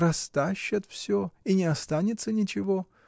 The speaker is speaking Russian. Растащат всё, и не останется ничего.